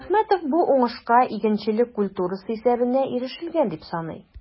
Әхмәтов бу уңышка игенчелек культурасы исәбенә ирешелгән дип саный.